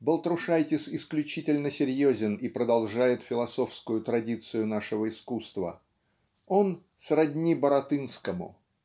Балтрушайтис исключительно серьезен и продолжает философскую традицию нашего искусства. Он сродни Баратынскому.